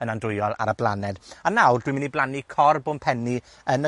yn andwyol ar y blaned. A nawr dwi mynd i blannu cor-bwmpenni yn y